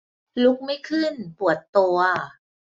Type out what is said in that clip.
ลุกไม่ขึ้นปวดตัว